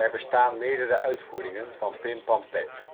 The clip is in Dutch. bestaan meerdere uitvoeringen van Pim-pam-pet